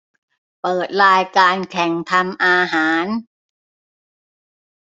เปิดรายการแข่งทำอาหาร